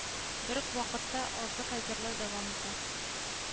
Әмма оялу хисе һәрвакыт җиңеп килде.